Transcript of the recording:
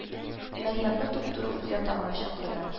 Мәрьямне туп-туры үз ятагына чакырды